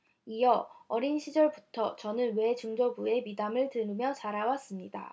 이어 어린 시절부터 저는 외증조부의 미담을 들으며 자라왔습니다